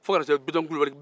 fo ka n'a se bitɔn kulubali ma